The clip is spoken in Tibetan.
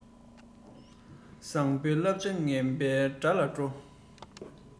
བཟང པོའི བསླབ བྱ ངན པའི དགྲ ལ འགྲོ